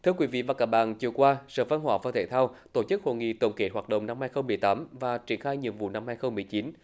thưa quý vị và các bạn chiều qua sở văn hóa và thể thao tổ chức hội nghị tổng kết hoạt động năm hai không mười tám và triển khai nhiệm vụ năm hai không mười chín